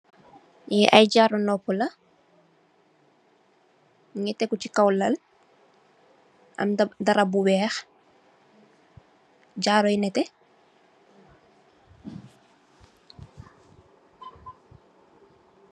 Li ay jaru nopuh la mugii tégu ci kaw lal anda ak darap bu wèèx jaru yu netteh.